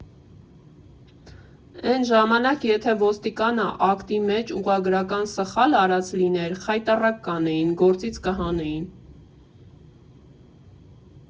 Էն ժամանակ եթե ոստիկանը ակտի մեջ ուղղագրական սխալ արած լիներ՝ խայտառակ կանեին, գործից կհանեին։